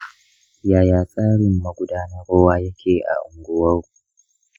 yaya tsarin magudanar ruwa yake a unguwarku?